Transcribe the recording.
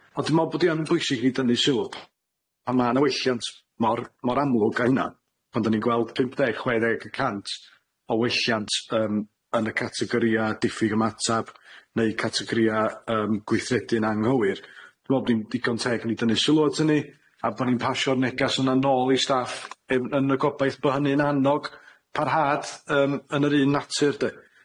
On' dwi me'wl bod 'i yn bwysig i ni dynnu sylw, a ma' 'na welliant mor mor amlwg â hynna pan 'dan ni'n gweld pump deg, chwe deg y cant o welliant yym yn y categoria diffyg ymatab neu categoria yym gweithredu'n anghywir dwi me'wl bo' ni'n digon teg i ni dynnu sylw at 'ynny a bo' ni'n pasio'r negas yna nôl i staff e- yn y gobaith bo' hynny'n annog parhad yym yn yr un natur 'de.